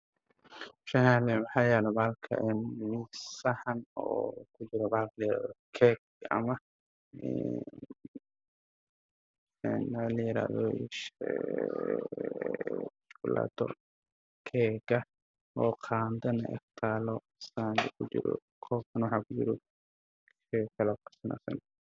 Meshan waxa yala bahalka harmuudka saxan oo ku jira keek ama een la yirahdo ii sheg keega oo qaandho taalo qolkana waxa ku jira cake kalo qorsoon